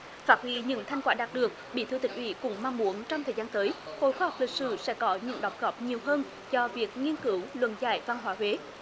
phát huy những thành quả đạt được bí thư tỉnh ủy cũng mong muốn trong thời gian tới hội khoa học lịch sử sẽ có những đóng góp nhiều hơn cho việc nghiên cứu luận giải văn hóa huế